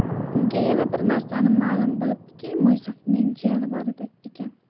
unga yana bir narsa ma'lum bo'libdiki mo'ysafidning jiyani bor ekan